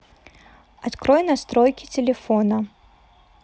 открой настройки телефона